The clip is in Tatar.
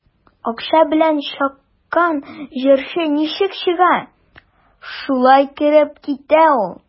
Акча белән чыккан җырчы ничек чыга, шулай кереп китә ул.